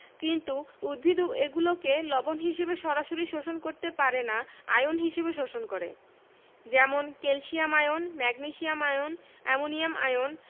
কিন্তু উদ্ভিদ এগুলোকে লবণ হিসেবে সরাসরি শোষণ করতে পারে না আয়ন হিসেবে শোষণ করে যেমন calcium ion magnesium ion ammonium ion